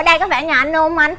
đây có phải nhà anh hông anh